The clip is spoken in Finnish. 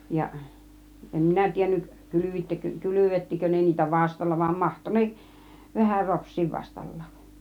ja en minä tiennyt kylvittekö kylvettikö ne niitä vastalla vaan mahtoi ne vähän ropsia vastallakin